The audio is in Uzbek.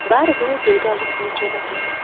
bari bir deydi oyim o'ychan ohangda